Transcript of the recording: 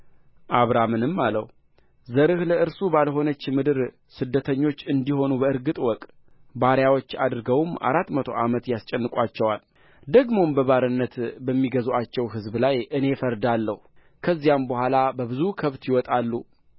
አብራምንም አለው ዘርህ ለእርሱ ባልሆነች ምድር ስደተኞች እንዲሆኑ በእርግጥ እወቅ ባሪያዎች አድርገውም አራት መቶ ዓመት ያስጨንቋቸዋል ደግሞም በባርነት በሚገዙአቸው ሕዝብ ላይ እኔ እፈርዳለሁ ከዚያም በኋላ በብዙ ከብት ይወጣሉ